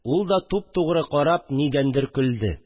Ул да, туп-тугры карап, нидәндер көлде